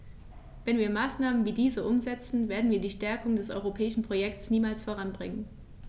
Wenn wir Maßnahmen wie diese umsetzen, werden wir die Stärkung des europäischen Projekts niemals voranbringen.